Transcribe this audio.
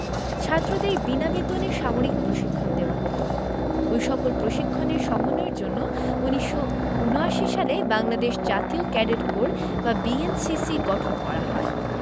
ছাত্রদের বিনা বেতনে সামরিক প্রশিক্ষণ দেওয়া হতো ওই সকল প্রশিক্ষণ সমন্বয়ের জন্য ১৯৭৯ সালে বাংলাদেশ জাতীয় ক্যাডেট কোর বিএনসিসি গঠন করা হয়